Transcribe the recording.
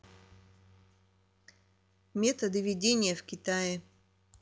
методы ведения в китае